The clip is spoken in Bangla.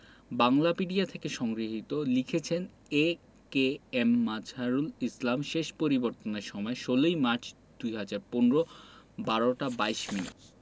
বাংলাপিডিয়া থেকে সংগৃহীত লিখেছেনঃ এ.কে.এম মাযহারুল ইসলাম শেষ পরিবর্তনের সময় ১৬ মার্চ ২০১৫ ১২টা ২২ মিনিট